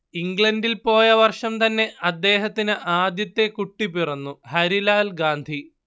ഇംഗ്ലണ്ടിൽ പോയ വർഷം തന്നെ അദ്ദേഹത്തിന് ആദ്യത്തെ കുട്ടി പിറന്നു ഹരിലാൽ ഗാന്ധി